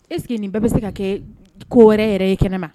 Eseke nin ba bɛ se ka kɛ ko wɛrɛ yɛrɛ ye kɛnɛ ma